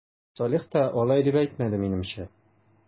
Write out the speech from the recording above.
Салих та алай дип әйтмәде, минемчә...